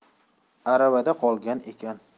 aravada qolgan ekan